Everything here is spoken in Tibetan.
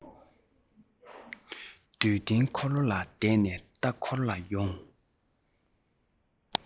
འདྲུད འཐེན འཁོར ལོ ལ བསྡད ནས ལྟ སྐོར ལ འོངས